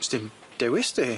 Sdim, dewis da hi.